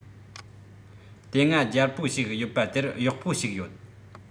དེ སྔ རྒྱལ པོ ཞིག ཡོད པ དེར གཡོག པོ ཞིག ཡོད